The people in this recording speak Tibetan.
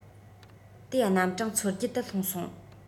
དེའི རྣམ གྲངས མཚོ རྒྱུད དུ ལྷུང སོང